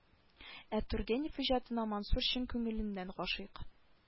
Ә тургенев иҗатына мансур чын күңеленнән гашыйк